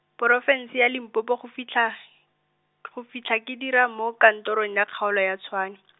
porofense ya Limpopo go fitlha, go fitlha ke dira mo kantorong ya kgaolo ya Tshwane .